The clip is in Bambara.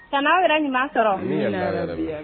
Ka na aw yɛrɛ ɲuman sɔrɔ amina yarabi